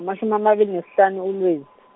amashumi amabili nesihlanu uLwezi.